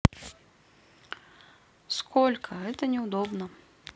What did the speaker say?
сколько это неудобно